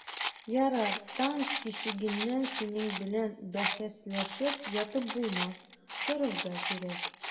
Ярар, таң тишегеннән синең белән бәхәсләшеп ятып булмас, торырга кирәк.